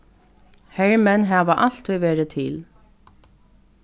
hermenn hava altíð verið til